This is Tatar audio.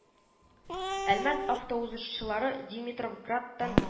Әлмәт автоузышчылары Димитровградтан